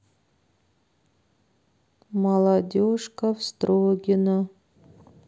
молодежка в строгино